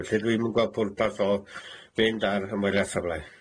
Felly dwi'm yn gweld pwrpath o mynd ar ymweliath safle.